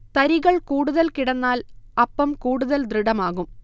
തരികൾ കൂടുതൽ കിടന്നാൽ അപ്പം കൂടുതൽ ദൃഡമാകും